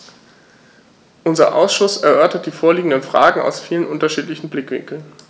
Unser Ausschuss erörtert die vorliegenden Fragen aus vielen unterschiedlichen Blickwinkeln.